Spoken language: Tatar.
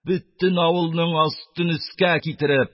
Бөтен авылның астын өскә китереп,